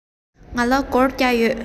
ང ལ སྒོར བརྒྱ ཡོད